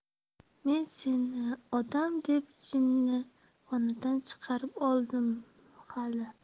men seni odam deb jinnixonadan chiqarib oldimmi hali